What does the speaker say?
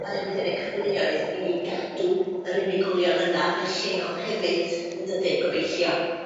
mae o mynd i roi cyfleoedd i ni gadw yr unigolion yna yn lleol hefyd yndydi gobeithio.